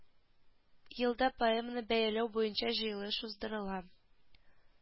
Елда поэманы бәяләү буенча җыелыш уздырыла